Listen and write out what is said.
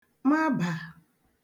mabà